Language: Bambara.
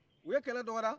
u ye kɛlɛ dɔgɔda